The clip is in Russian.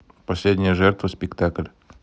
последняя жертва спектакль